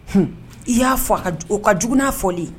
I y'a fɔ a ka, o ka jugu na fɔli ye.